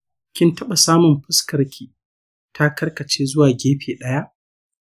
kin taɓa samun fuskarki ta karkace zuwa gefe daya?